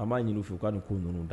A b'a ɲini fo u'a nin ko ninnuunu da